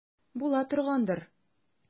Була торгандыр.